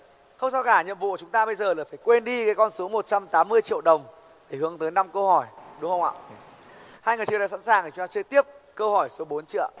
không sao cả nhiệm vụ chúng ta bây giờ là phải quên đi cái con số một trăm tám mươi triệu đồng để hướng tới năm câu hỏi đúng không ạ hai người chưa sẵn sàng để chúng ta chơi tiếp câu hỏi số bốn chưa ạ